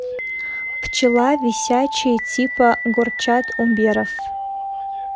пчела висячие типа горчат уберов